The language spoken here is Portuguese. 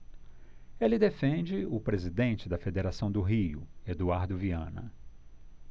ele defende o presidente da federação do rio eduardo viana